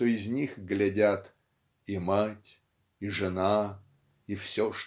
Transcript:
что из них глядят "и мать и жена и все